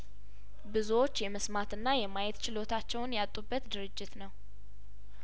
ብዙዎች የመስማትና የማየት ችሎታቸውን ያጡበት ድርጅት ነው